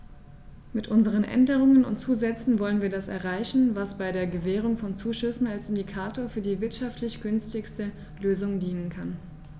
Mit unseren Änderungen und Zusätzen wollen wir das erreichen, was bei der Gewährung von Zuschüssen als Indikator für die wirtschaftlich günstigste Lösung dienen kann.